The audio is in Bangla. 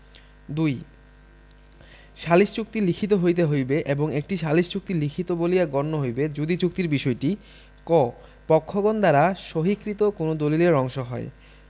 ২ সালিস চুক্তি লিখিত হইতে হইবে এবং একটি সালিস চুক্তি লিখিত বলিয়া গণ্য হইবে যদি চুক্তির বিষয়টি ক পক্ষগণ দ্বারা সহিকৃত কোন দলিলের অংশ হয়